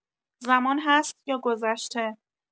زمان هست یا گذشته؟